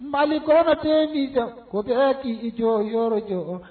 Mali kɔnɔ deninw yoo ko bɛ k'i jɔ yɔrɔ jɔ!